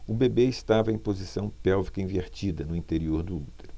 o bebê estava em posição pélvica invertida no interior do útero